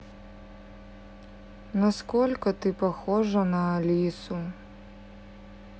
насколько ты похожа на алису